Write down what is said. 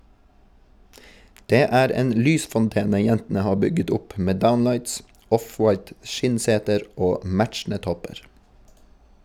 Det er en lysfontene jentene har bygget opp med downlights, offwhite skinnseter og matchende topper.